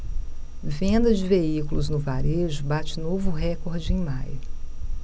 venda de veículos no varejo bate novo recorde em maio